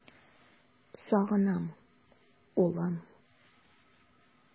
Сагынам, улым!